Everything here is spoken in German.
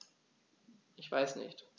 Ich weiß nicht.